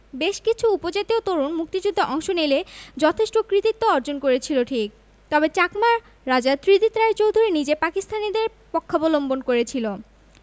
বেশকিছু উপজাতীয় তরুণ মুক্তিযুদ্ধে অংশ নিয়ে যথেষ্ট কৃতিত্ব অর্জন করেছিল ঠিক তবে চাকমা রাজা ত্রিদির রায় চৌধুরী নিজে পাকিস্তানীদের পক্ষাবলম্বন করেছিল